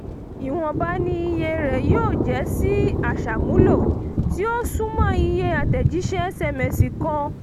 Ìwọ̀nba ni iye rẹ̀ yóò jẹ́ sí aṣàmúlò — tí ó súnmọ́ iye àtẹ̀jíṣẹ́ SMS kan.